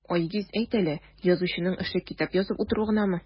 Айгиз, әйт әле, язучының эше китап язып утыру гынамы?